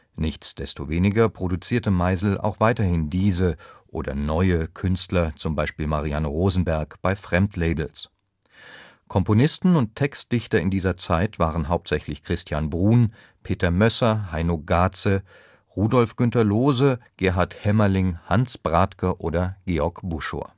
Nichtsdestoweniger produzierte Meisel auch weiterhin diese – oder neue, z. B. Marianne Rosenberg – Künstler bei Fremdlabels.) Komponisten und Textdichter in dieser Zeit waren hauptsächlich Christian Bruhn, Peter Moesser, Heino Gaze, Rudolf-Günter Loose, Gerhard Hämmerling, Hans Bradtke oder Georg Buschor